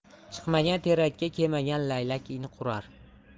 chiqmagan terakka keimagan laylak in qurar